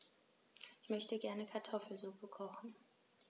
Ich möchte gerne Kartoffelsuppe kochen.